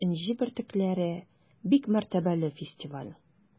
“энҗе бөртекләре” - бик мәртәбәле фестиваль.